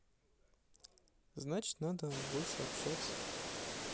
значит надо больше общаться